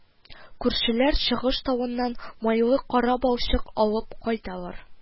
Күршеләр Чыгыш тавыннан майлы кара балчык алып кайталар